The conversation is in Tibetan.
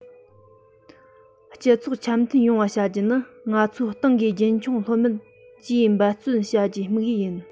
སྤྱི ཚོགས འཆམ མཐུན ཡོང བ བྱ རྒྱུ ནི ང ཚོའི ཏང གིས རྒྱུན འཁྱོངས ལྷོད མེད ཀྱིས འབད འཐབ བྱ རྒྱུའི དམིགས ཡུལ ཡིན